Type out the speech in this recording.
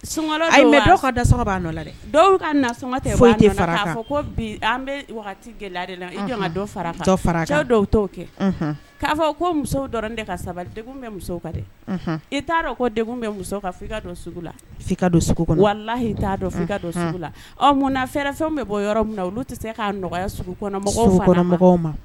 Sun da dɛ dɔw ka bi an bɛ fara dɔw kɛ k'a fɔ ko musow ka sabali bɛ kan dɛ i t'a dɔn bɛ kan fo i ka la wala t' i ka la ɔ munnafɛɛrɛ fɛn bɛ bɔ yɔrɔ min olu tɛ se k' nɔgɔya kɔnɔ mɔgɔw mɔgɔw ma